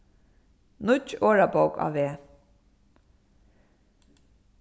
nýggj orðabók á veg